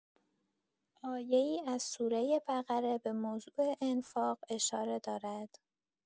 آیه‌ای از سوره بقره به موضوع انفاق اشاره دارد.